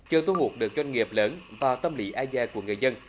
chưa thu hút được doanh nghiệp lớn và tâm lý e dè của người dân